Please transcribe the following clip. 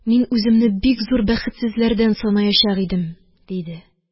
Мин үземне бик зур бәхетсезләрдән санаячак идем, – диде.